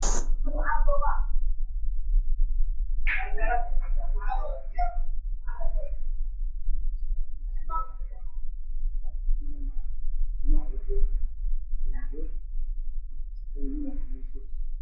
meeshaan waxaa yaala 3 baakadood oo ku jiraan qalimaan noocyo kala duwan ah baluug iyo jaale